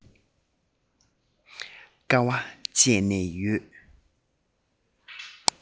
དཀའ བ སྤྱད ནས ཡོད